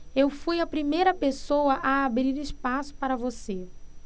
eu fui a primeira pessoa a abrir espaço para você